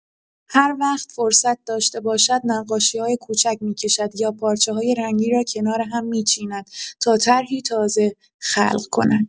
هر وقت فرصت داشته باشد نقاشی‌های کوچک می‌کشد یا پارچه‌های رنگی را کنار هم می‌چیند تا طرحی تازه خلق کند.